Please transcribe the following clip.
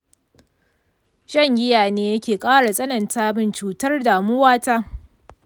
shan giya ne yake ƙara tsananta min cutar damuwa ta?